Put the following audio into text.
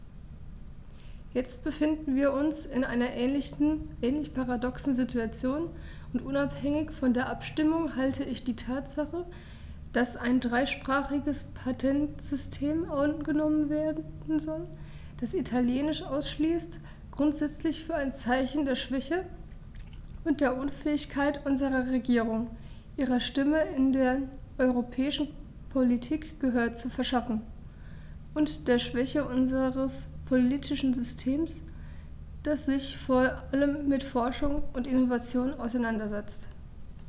Jetzt befinden wir uns in einer ähnlich paradoxen Situation, und unabhängig von der Abstimmung halte ich die Tatsache, dass ein dreisprachiges Patentsystem angenommen werden soll, das Italienisch ausschließt, grundsätzlich für ein Zeichen der Schwäche und der Unfähigkeit unserer Regierung, ihrer Stimme in der europäischen Politik Gehör zu verschaffen, und der Schwäche unseres politischen Systems, das sich vor allem mit Forschung und Innovation auseinandersetzt.